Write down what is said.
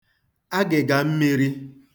agị̀gà mmīrī